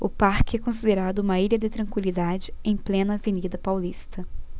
o parque é considerado uma ilha de tranquilidade em plena avenida paulista